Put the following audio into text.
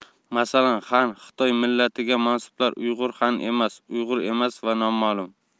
masalan xan xitoy millatiga mansublar uyg'ur xan emas uyg'ur emas va noma'lum